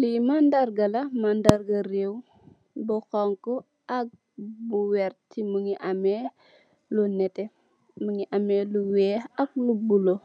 Lee madarga la madarga reew bu xonxo ak bu werte muge ameh lu neteh muge ameh lu weex ak lu bulo